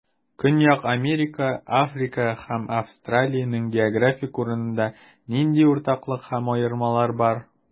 Көньяк Америка, Африка һәм Австралиянең географик урынында нинди уртаклык һәм аермалар бар?